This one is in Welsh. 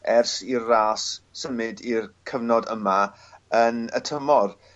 ers i'r ras symud i'r cyfnod yma yn y tymor